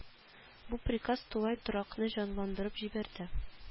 Бу приказ тулай торакны җанландырып җибәрде